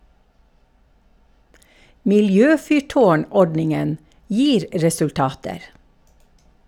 Miljøfyrtårn-ordningen gir resultater.